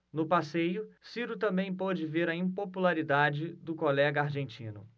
no passeio ciro também pôde ver a impopularidade do colega argentino